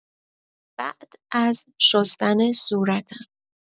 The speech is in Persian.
بعد از شستن صورتم